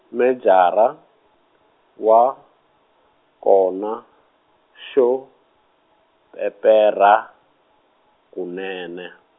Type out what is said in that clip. Mejara, wa, kona, xo, peperha, kunene.